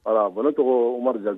Aa bɔn ne tɔgɔ